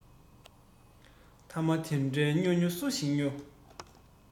ཐ མ དེ འདྲའི སྨྱོ སྨྱོ སུ ཞིག སྨྱོ